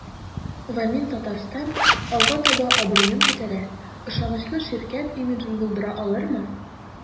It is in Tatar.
"вамин-татарстан” алга таба абруен күтәрә, ышанычлы ширкәт имиджын булдыра алырмы?